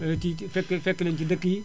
ci ci fekk fekk leen ci dëkk yi